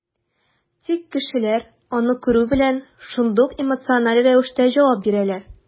Тик кешеләр, аны күрү белән, шундук эмоциональ рәвештә җавап бирәләр.